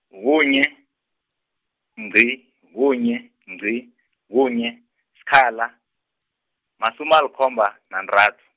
kunye, ngqi, kunye, ngqi, kunye, sikhala, masumi, alikhomba, nantathu.